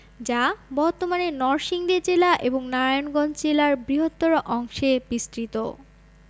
যা বর্তমানে নরসিংদী জেলা এবং নারায়ণগঞ্জ জেলার বৃহত্তর অংশে বিস্তৃত